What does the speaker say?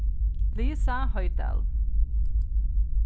lisa hoydal